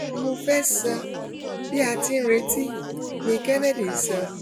'Mo fẹ́ sọ, bí a tì ńretí,'' ni Kennedy sọ.